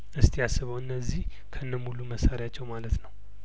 እስቲ አስበው እነዚህ ከእነ ሙሉ መሳሪያቸው ማለት ነው